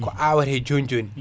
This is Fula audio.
ko awate joni joni